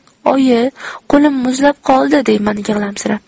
oyi qo'lim muzlab qoldi deyman yig'lamsirab